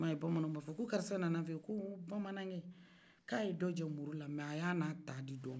i b'a ye bamanan b'a fɔ ko karisa nana n fɛ ko ɔɔ bamanankɛ k'a ye dɔ jɛ muru la mɛ a y'a na taa di dɔ ma